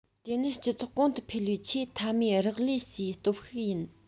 དེ ནི སྤྱི ཚོགས གོང དུ འཕེལ བའི ཆེས མཐའ མའི རག ལས སའི སྟོབས ཤུགས ཡིན